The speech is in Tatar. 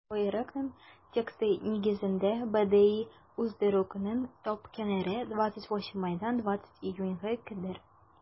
Боерыкның тексты нигезендә, БДИ уздыруның төп көннәре - 28 майдан 20 июньгә кадәр.